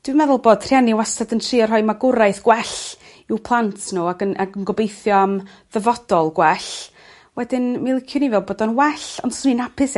Dwi'n meddwl bod rhieni wastad yn trio rhoi magwraeth gwell i'w plant n'w ag yn ag yn gobeithio am ddyfodol gwell wedyn mi liciwn i fe'wl bod o'n well ond swn i'n apus